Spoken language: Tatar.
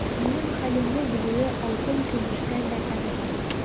Минем хәлемне белүе алтын-көмештән дә кадерле.